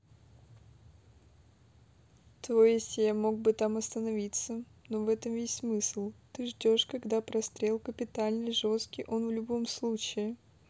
то есть я мог бы там остановиться но в этом весь смысл ты ждешь когда прострел капитальный жесткий он в любом случае